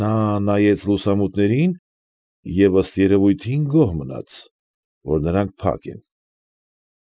Նա նայեց լուսամուտներին և, ըստ երևույթին, գոհ մնաց, որ նրանք փակ են։